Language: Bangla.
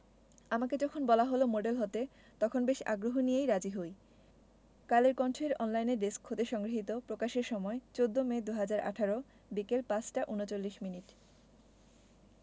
আমাকে যখন বলা হলো মডেল হতে তখন বেশ আগ্রহ নিয়েই রাজি হই কালের কণ্ঠ এর অনলাইনে ডেস্ক হতে সংগৃহীত প্রকাশের সময় ১৪মে ২০১৮ বিকেল ৫টা ৩৯ মিনিট